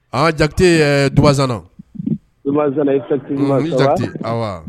Aa Jakite Dumansana